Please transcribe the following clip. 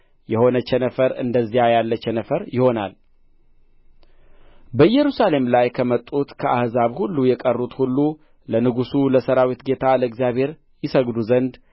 የሆነ ቸነፈር እንደዚያ ያለ ቸነፈር ይሆናል በኢየሩሳሌም ላይ ከመጡት ከአሕዛብ ሁሉ የቀሩት ሁሉ ለንጉሡ ለሠራዊት ጌታ ለእግዚአብሔር ይሰግዱ ዘንድ